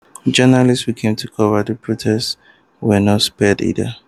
Journalists who came to cover the protest were not spared either.